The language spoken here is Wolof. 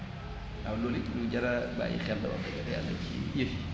waaw loolu it lu jar a bàyyi xel la wax dëgg fa Yàlla ci yëf yi